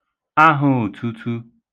ahōòtūtū